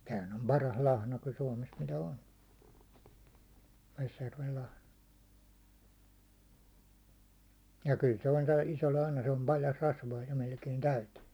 tämähän on paras lahna kun Suomessa mitä on Vesijärven lahna ja kyllä se on tuo iso lahna se on paljasta rasvaa jo melkein täyteen